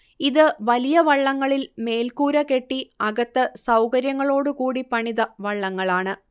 ഇത് വലിയ വള്ളങ്ങളിൽ മേൽക്കൂര കെട്ടി അകത്ത് സൗകര്യങ്ങളോട് കൂടി പണിത വള്ളങ്ങളാണ്